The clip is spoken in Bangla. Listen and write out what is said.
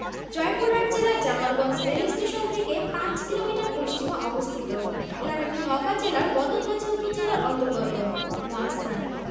ইউনিয়ন ৪হাজার ৪৯৮টি মৌজা ৫৯হাজার ৯৯০টি গ্রাম ৮৭হাজার